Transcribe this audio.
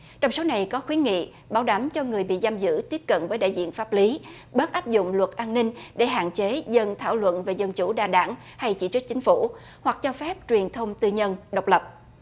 trong số này có khuyến nghị bảo đảm cho người bị giam giữ tiếp cận với đại diện pháp lý bớt áp dụng luật an ninh để hạn chế dần thảo luận về dân chủ đa đảng hay chỉ trích chính phủ hoặc cho phép truyền thông tư nhân độc lập